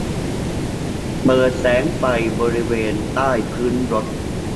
เปิดแสงไฟบริเวณใต้พื้นรถ